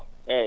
eeyi